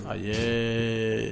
Ayi